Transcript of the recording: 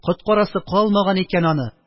Коткарасы калмаган икән аны